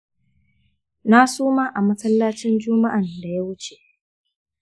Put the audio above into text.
na suma a masallacin juma'an da ya wuce